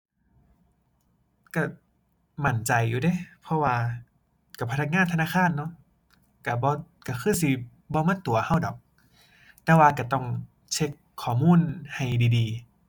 ก็มั่นใจอยู่เดะ เพราะว่าก็พนักงานธนาคารเนาะ ก็บ่ ก็คือสิบ่มาตั๋วก็ดอก แต่ว่าก็ต้องเช็กข้อมูลให้ดีดี